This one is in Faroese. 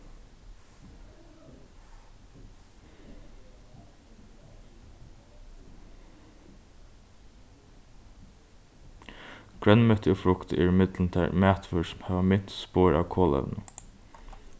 grønmeti og frukt eru millum tær matvørur sum hava minst spor av kolevni